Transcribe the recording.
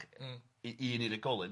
i unigolyn...